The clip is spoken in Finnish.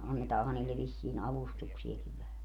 annetaanhan niille vissiin avustuksiakin vähän